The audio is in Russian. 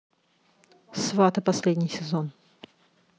сваты последний сезон